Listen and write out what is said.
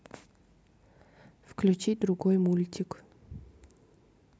включи другой мультик